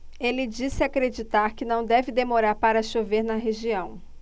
ele disse acreditar que não deve demorar para chover na região